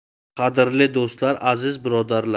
qadrli do'stlar aziz birodarlar